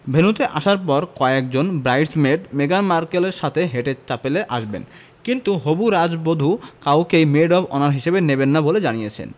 ভেন্যুতে আসার পর কয়েকজন ব্রাইডস মেড মেগান মার্কেলের সাথে হেঁটে চ্যাপেলে আসবেন কিন্তু হবু রাজবধূ কাউকেই মেড অব অনার হিসেবে নেবেন না বলে জানিয়েছেন